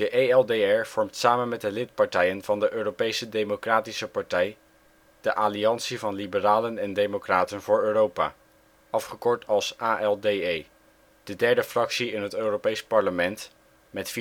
ELDR vormt samen met de lidpartijen van de Europese Democratische Partij de Alliantie van Liberalen en Democraten voor Europa (ALDE; Franse afkorting ADLE), de derde fractie in het Europees Parlement, met